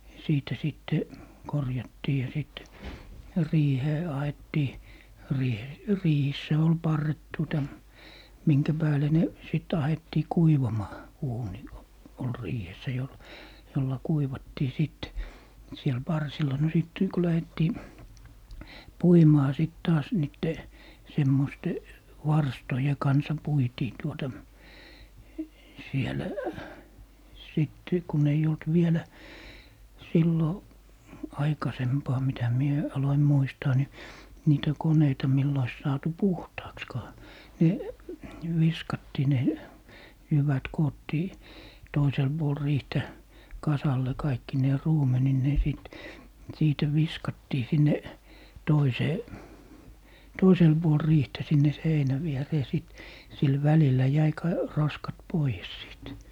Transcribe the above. siitä sitten korjattiin ja sitten riiheen ahdettiin - riihissä oli parret tuota minkä päälle ne sitten ahdettiin kuivamaan uuni - oli riihessä - jolla kuivattiin sitten siellä parsilla no sitten kun lähdettiin puimaan sitten taas niiden semmoisten varstojen kanssa puitiin tuota siellä sitten kun ei ollut vielä silloin aikaisempaa mitä minä aloin muistaa niin niitä koneita millä olisi saatu puhtaaksikaan ne viskattiin ne jyvät koottiin toiselle puolen riihtä kasalle kaikkineen ruumenineen sitten siitä viskattiin sinne toiseen toiselle puolen riihtä sinne seinän viereen sitten sillä välillä jäi - roskat pois sitten